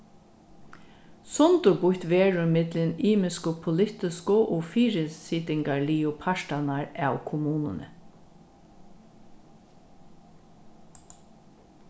sundurbýtt verður millum ymisku politisku og fyrisitingarligu partarnar av kommununi